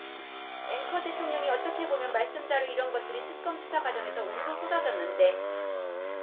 앵커 대통령이 어떻게 보면 말씀자료 이런 것들이 특검 수사 과정에서 우루루 쏟아졌는데